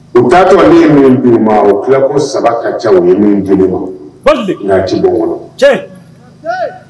U taa tɔgɔ ni ninnu di ma o tila ko saba ka ca ye min jiri ma n'a ci kɔnɔ cɛ